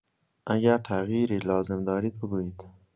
اگر تغییری لازم دارید، بگویید!